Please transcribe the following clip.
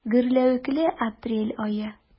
Гөрләвекле апрель ае.